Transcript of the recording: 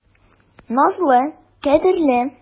Назлы, кадерле.